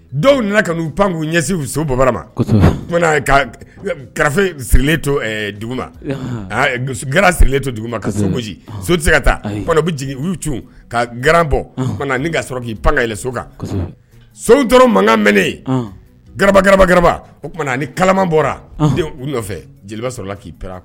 Dɔw nana ka uu pan k'u ɲɛsin so baba mafe dugu g sirilen to dugu ka so gosi so tɛ se ka taa jigin uu c ka g bɔ ka sɔrɔ k'i pan kaɛlɛn so kan so tora mankan mɛnen graba garaba gba oumana ni kala bɔra u nɔfɛ jeliba sɔrɔ k'i p kan